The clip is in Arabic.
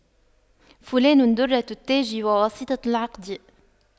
فلان دُرَّةُ التاج وواسطة العقد